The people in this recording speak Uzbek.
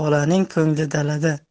bolaning ko'ngli dalada